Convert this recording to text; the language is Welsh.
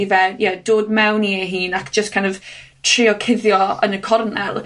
I fe ie dod mewn i ei hun, ac jyst kind of trio cuddio yn y cornel.